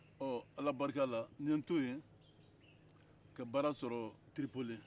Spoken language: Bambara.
ala barika la n ye n to yen ka baara sɔrɔ tiripoli